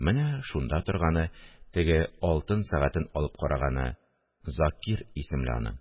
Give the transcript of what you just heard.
Менә шунда торганы, теге алтын сәгатен алып караганы Закир исемле аның